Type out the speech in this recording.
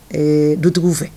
Ɛɛ dutigiw fɛ